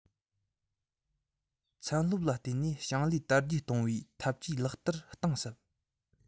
ཚན སློབ ལ བརྟེན ནས ཞིང ལས དར རྒྱས གཏོང བའི ཐབས ཇུས ལག བསྟར གཏིང ཟབ